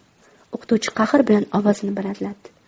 o'qituvchi qahr bilan ovozini balandlatdi